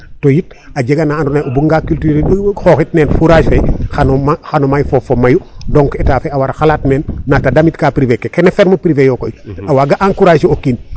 To yit a jega na andoona yee o buganga culture xooxit nen forage fe xan o xan o may foofi a mayu donc Etat fe a wara xalaat men na ta damitka privée fe kene ferme privée yo koy a waaga encourager o kiin.